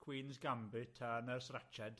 queens gambit a nurse ratched.